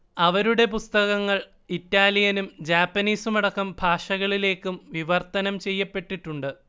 അവരുടെ പുസ്തകങ്ങൾ ഇറ്റാലിയനും ജാപ്പനീസുമടക്കം ഭാഷകളിലേക്കും വിവർത്തനം ചെയ്യപ്പെട്ടിട്ടുണ്ട്